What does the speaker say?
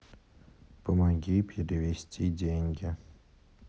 помоги перевести деньги